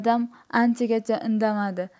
dadam anchagacha indamadi